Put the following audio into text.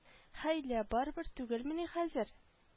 Һәй лә барыбер түгелмени хәзер